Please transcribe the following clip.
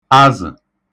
azụ̀